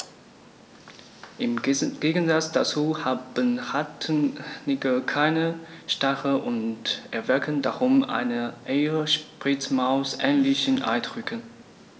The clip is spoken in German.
Im Gegensatz dazu haben Rattenigel keine Stacheln und erwecken darum einen eher Spitzmaus-ähnlichen Eindruck.